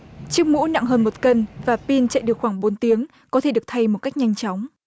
chiếc mũ nặng hơn một cân và pin chạy được khoảng bốn tiếng có thể được thay một cách nhanh chóng